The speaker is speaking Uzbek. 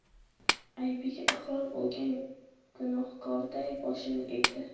aybiga iqror bo'lgan gunohkorday boshini egdi